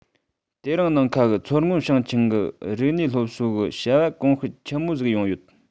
དེ རིང ནིང ཁ གི མཚོ སྔོན ཞིང ཆེན ན རིག གནས སལོབ གསོ གི བྱ བ གོངགའཕེལ ཆི མོ ཟིག སོང ཡོད